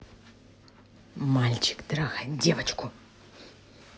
мальчик трахает девочку